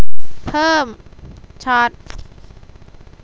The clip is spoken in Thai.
เพิ่มช็อต